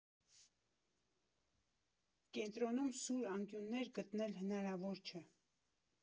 Կենտրոնում սուր անկյուններ գտնել հնարավոր չէ։